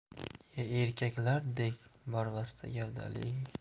erkaklardek barvasta gavdali